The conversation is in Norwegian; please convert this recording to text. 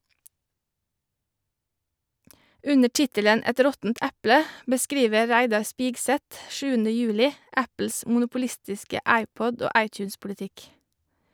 Under tittelen "Et råttent eple" beskriver Reidar Spigseth 7. juli Apples monopolistiske iPod- og iTunes-politikk.